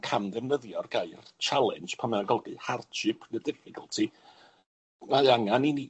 camddefnyddio'r gair challenge, pan mae'n golygu hardship neu difficulty, mae angan i ni